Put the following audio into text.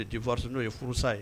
Tɛfa'o ye furusa ye